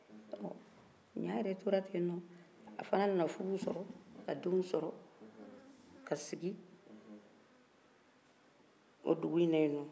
ɔɔ ɲaa yɛrɛ tora ten nɔ a fana nana furu sɔrɔ ka denw sɔrɔ ka sigi o dugu in na yen nɔ